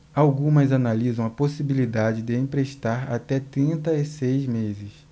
algumas analisam a possibilidade de emprestar até trinta e seis meses